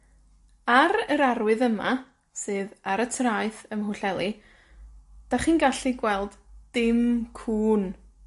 Ar yr arwydd yma, sydd ar y traeth ym Mhwllheli, 'dach chi'n gallu gweld dim cŵn.